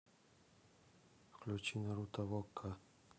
включи наруто в окко